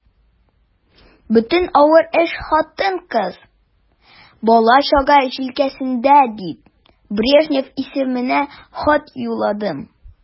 Бөтен авыр эш хатын-кыз, бала-чага җилкәсендә дип, Брежнев исеменә хат юлладым.